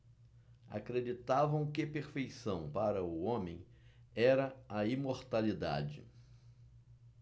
acreditavam que perfeição para o homem era a imortalidade